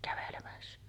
kävelemässä